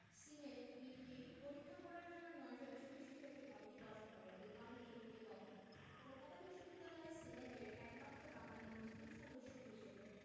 senate বিলটি পরীক্ষা করার জন্য ৯ সদস্য বিশিষ্ট একটি কমিটি গঠন করে ওই কমিটির এবং কলকাতা বিশ্ববিদ্যালয় সিনেটের একমাত্র বাঙালি মুসলিম সদস্য হিসেবে